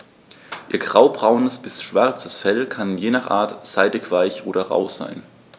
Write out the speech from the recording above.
Ihr graubraunes bis schwarzes Fell kann je nach Art seidig-weich oder rau sein.